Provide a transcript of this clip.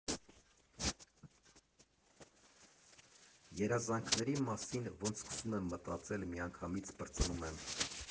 Երազանքների մասին ոնց սկսում եմ մտածել, միանգամից պրծնում եմ.